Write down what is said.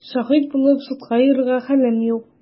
Шаһит булып судка йөрер хәлем юк!